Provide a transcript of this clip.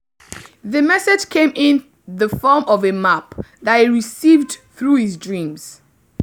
The message came in the form of a map that he received through his dreams.